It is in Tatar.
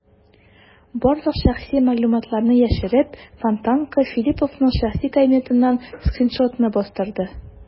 Барлык шәхси мәгълүматларны яшереп, "Фонтанка" Филипповның шәхси кабинетыннан скриншотны бастырды.